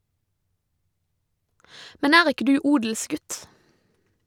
- Men er ikke du odelsgutt?